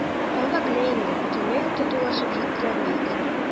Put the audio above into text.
«алла белә инде, бөтенләй үк татулашып җиттеләрме икән?»